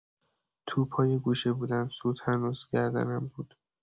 توپ‌ها یه گوشه بودن، سوت هنوز گردنم بود.